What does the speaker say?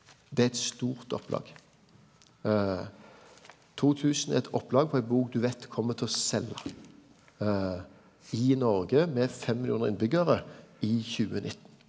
det er eit stort opplag 2000 er eit opplag på ei bok du veit kjem til å selja i Noreg med fem millionar innbyggarar i tjuenitten.